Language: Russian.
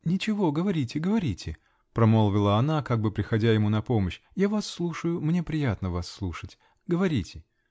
-- Ничего, говорите, говорите, -- промолвила она, как бы приходя ему на помощь, -- я вас слушаю -- мне приятно вас слушать говорите.